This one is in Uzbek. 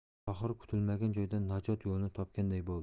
tohir kutilmagan joydan najot yo'lini topganday bo'ldi